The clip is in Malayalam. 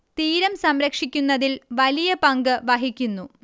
തീരം സംരക്ഷിക്കുന്നതിൽ വലിയ പങ്ക് വഹിക്കുന്നു